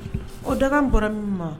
O daga bɔra min ma